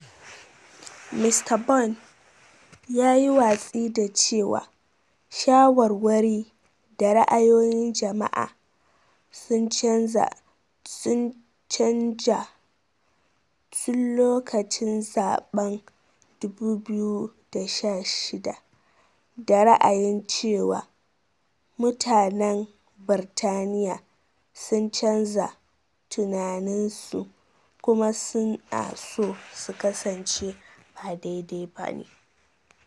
Mr Bone ya yi watsi da cewa shawarwarin da ra'ayoyin jama'a sun canja tun lokacin zaben 2016: 'Da ra'ayin cewa mutanen Birtaniya sun canza tunaninsu kuma su na so su kasance ba daidai ba ne.'